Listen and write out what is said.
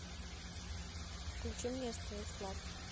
включи мне стс лав